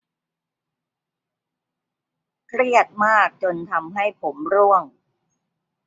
เครียดมากจนทำให้ผมร่วง